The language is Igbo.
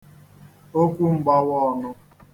okwum̄gbāwāọ̄nụ̄